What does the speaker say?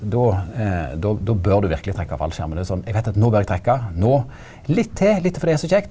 då då då bør du verkeleg trekka fallskjermen det er jo sånn eg veit at nå bør eg trekka nå litt til litt til for det er så kjekt.